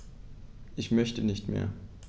Ich möchte nicht mehr.